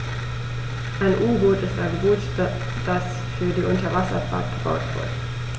Ein U-Boot ist ein Boot, das für die Unterwasserfahrt gebaut wurde.